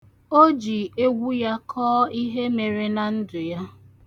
O ji egwu ya kọọ ihe mere na ndu ya.